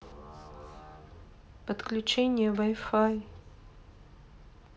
подключение вай фай